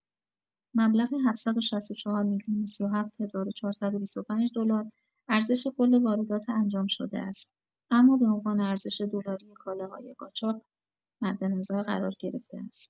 مبلغ ۷۶۴ میلیون و ۳۷ هزار و ۴۲۵ دلار ارزش کل واردات انجام‌شده است اما به عنوان ارزش دلاری کالاهای قاچاق مدنظر قرار گرفته است.